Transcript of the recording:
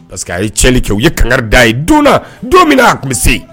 Parce que a ye cɛli kɛ u ye kanga da ye don don min na a tun bɛ se